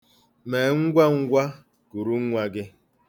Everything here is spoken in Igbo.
Mee ngwa ngwa kuru nwa gị.